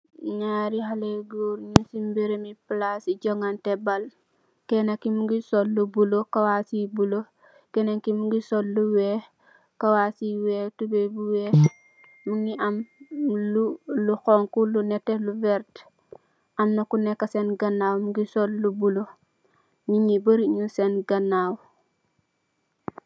Njarri haleh yu gorre njung cii mbirim plassi johnganteh bal, kenah kii mungy sol lu bleu, kawass yu bleu, kenen kii mungy sol lu wekh, kawass yu wekh, tubeiyy bu wekh, mungy am lu, lu honhu lu nehteh lu vert, amna ku neka sen ganaw mungy sol lu bleu, nitt nju bari njung sen ganaw.